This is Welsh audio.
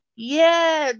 Ie.